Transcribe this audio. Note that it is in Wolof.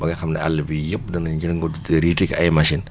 ba nga xam ne àll bi yëpp danañ yëngatu te riitig ay machines